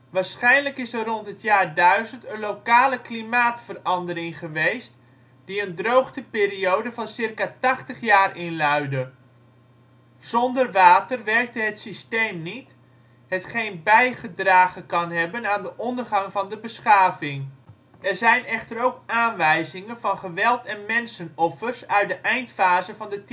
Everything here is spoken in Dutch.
Waarschijnlijk is er rond het jaar 1000 een lokale klimaatverandering geweest die een droogteperiode van circa 80 jaar inluidde. Zonder water werkte het systeem niet, hetgeen bijgedragen kan hebben aan de ondergang van de beschaving. Er zijn echter ook aanwijzingen van geweld en mensenoffers uit de eindfase van de